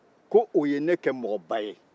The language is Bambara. ko o ye ne kɛ mɔgɔ ba ye